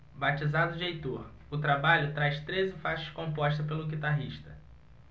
batizado de heitor o trabalho traz treze faixas compostas pelo guitarrista